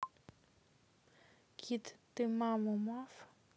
кит ты маму мав